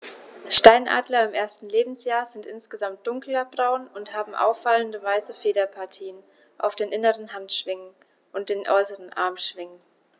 Steinadler im ersten Lebensjahr sind insgesamt dunkler braun und haben auffallende, weiße Federpartien auf den inneren Handschwingen und den äußeren Armschwingen.